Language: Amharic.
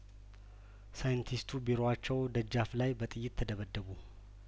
ሳይንቲስቱ ቢሮዋቸው ደጃፍ ላይ በጥይት ተደበደቡ